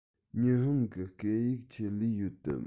ཉི ཧོང གི སྐད ཡིག ཆེད ལས ཡོད དམ